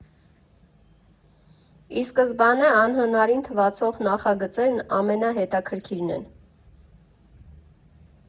«Ի սկզբանե անհնարին թվացող նախագծերն ամենահետաքրքիրն են։